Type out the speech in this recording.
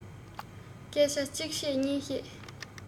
སྐད ཆ གཅིག བཤད གཉིས བཤད